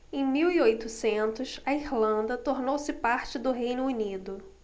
em mil e oitocentos a irlanda tornou-se parte do reino unido